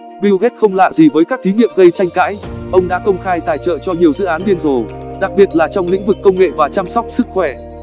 bill gates không lạ gì với các thí nghiệm gây tranh cãi ông đã công khai tài trợ cho nhiều dự án điên rồ đặc biệt là trong lĩnh vực công nghệ và chăm sóc sức khỏe